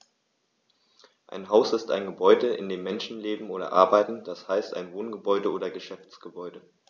Ein Haus ist ein Gebäude, in dem Menschen leben oder arbeiten, d. h. ein Wohngebäude oder Geschäftsgebäude.